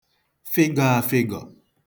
fịgọ̄ āfị̄gọ̀